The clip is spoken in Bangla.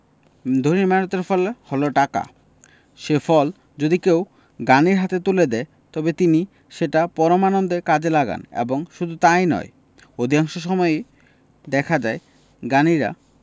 ধনীর মেহন্নতের ফলে হল টাকা সে ফল যদি কেউ জ্ঞানীর হাতে তুলে দেয় তবে তিনি সেটা পরমানন্দে কাজে লাগান এবং শুধু তাই নয় অধিকাংশ সময়েই দেখা যায় জ্ঞানীরা